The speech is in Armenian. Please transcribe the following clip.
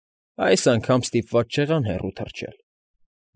Այս անգամ ստիպված չեղան հեռու թռչել։